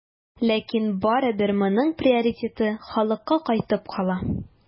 Ләкин барыбер моның приоритеты халыкка кайтып кала.